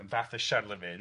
yn fath o Siarlemain ia.